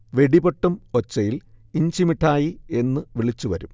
വെടിപൊട്ടും ഒച്ചയിൽ ഇഞ്ചിമിഠായി എന്ന് വിളിച്ച് വരും